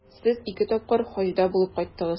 Сез ике тапкыр Хаҗда булып кайттыгыз.